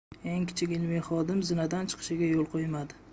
eng kichik ilmiy xodim zinadan chiqishiga yo'l qo'ymadi